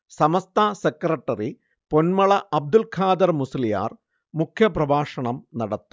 സമസ്ത secretary Ponmala Abdul Khader Musliyar മുഖ്യപ്രഭാഷണം നടത്തും